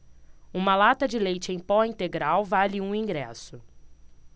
uma lata de leite em pó integral vale um ingresso